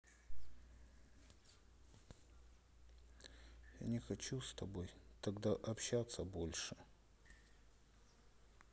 я не хочу с тобой тогда общаться больше